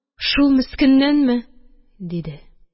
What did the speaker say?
Шул мескеннәнме? – диде...